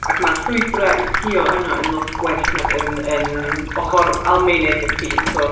Ac ma'r llwybra i sgïo yno yn lot gwell nac yn yn ochr Almaeneg y ffin, so...